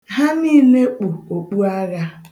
Ha niile kpu okpuagha.